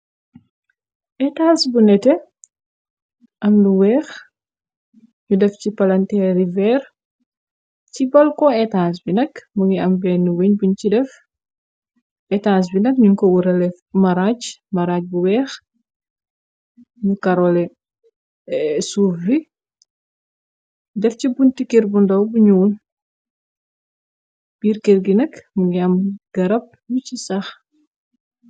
Etas bu nete am lu weex ñu def ci palantee riveer ci balko etans bi nak mu ngi am benn wiñ buñ ci def etans bi nak ñuñ ko wurale maraaj maraaj bu weex ñu karole suuf bi def ci buñti kerr bu ndow buñu biir kerr gi nak mu ngi am garab lu ci sax.